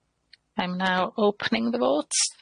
I'm now opening the vote.